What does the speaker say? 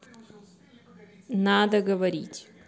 надо говорить